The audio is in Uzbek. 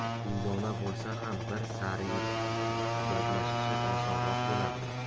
begona bo'lsa ham bir sari edi gaplashishi osonroq bo'lardi